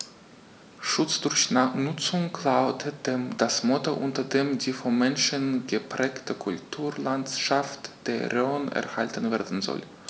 „Schutz durch Nutzung“ lautet das Motto, unter dem die vom Menschen geprägte Kulturlandschaft der Rhön erhalten werden soll.